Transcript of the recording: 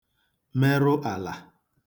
merụ àlà